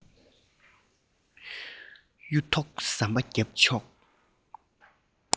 གཡུ ཐོག ཟམ པ བརྒྱབ ཤོག